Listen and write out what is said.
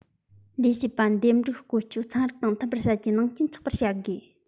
ལས བྱེད པ འདེམས སྒྲུག བསྐོ སྤྱོད ཚན རིག དང མཐུན པར བྱ རྒྱུའི ནང རྐྱེན ཆགས པར བྱ དགོས